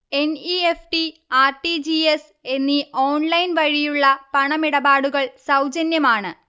N. E. F. T, R. T. G. S എന്നീ ഓൺലൈൻവഴിയുള്ള പണമിടപാടുകൾ സൗജന്യമാണ്